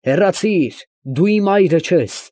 Հեռացի՛ր, դու իմ այրը չես։